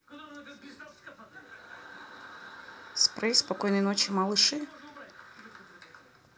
спрей спокойной ночи малыши